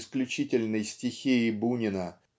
исключительной стихии Бунина